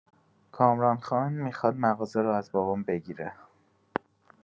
کامران‌خان می‌خواد مغازه رو از بابام بگیره.